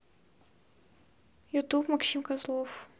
ютуб максим козлов